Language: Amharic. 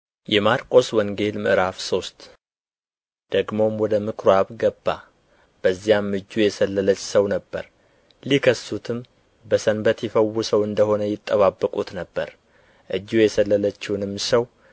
የማርቆስ ወንጌል ምዕራፍ ሶስት ደግሞም ወደ ምኵራብ ገባ በዚያም እጁ የሰለለች ሰው ነበር ሊከሱትም በሰንበት ይፈውሰው እንደ ሆነ ይጠባበቁት ነበር እጁ የሰለለችውንም ሰው